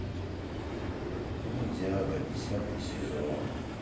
ниндзяго десятый сезон